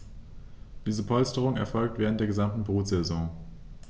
Diese Polsterung erfolgt während der gesamten Brutsaison.